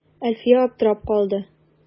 Әлфия аптырап калды.